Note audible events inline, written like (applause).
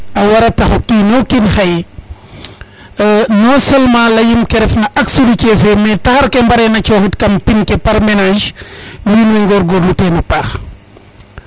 a wara tax o kino kiin xaye (hesitation) non seulement ke ref na axe routier fe mais taxar ke mbare na coxit kam pin ke par menage wiin we ngogorlu tena paax